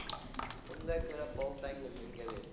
undan ko'ra boltani menga ber